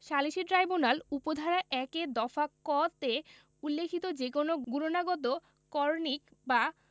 সালিসী ট্রাইব্যুনাল উপ ধারা ১ এর দফা ক তে উল্লিখিত যে কোন গুণনাগত করণিক বা